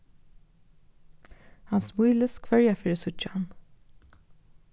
hann smílist hvørja ferð eg síggi hann